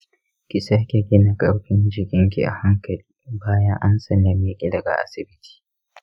ki sake gina karfin jikinki a hankali bayan an sallameki daga asibiti.